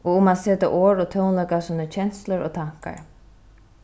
og um at seta orð og tónleik á sínar kenslur og tankar